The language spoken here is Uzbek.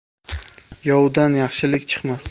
yovdan yaxshilik chiqmas